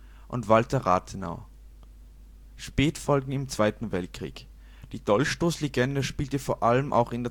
Dolchstoßlegende spielte vor allem auch in